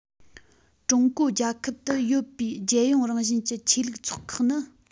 ཀྲུང གོ རྒྱལ ཁབ ཏུ ཡོད པའི རྒྱལ ཡོངས རང བཞིན གྱི ཆོས ལུགས ཚོགས ཁག ནི